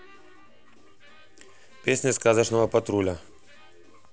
песни сказочного патруля